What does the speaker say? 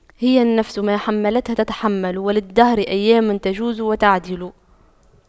هي النفس ما حَمَّلْتَها تتحمل وللدهر أيام تجور وتَعْدِلُ